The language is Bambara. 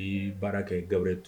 I ye baara kɛ Gabriel Touré la.